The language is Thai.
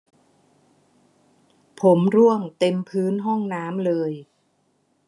ผมร่วงเต็มพื้นห้องน้ำเลย